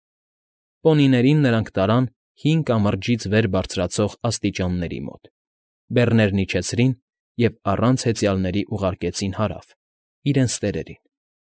Պոնիներին նրանք տարան հին կամրջից վեր բարձրացող աստիճանների մոտ, բեռներն իջեցրին և առանց հեծյալների ուղարկեցին հարավ՝ իրենց տերերին։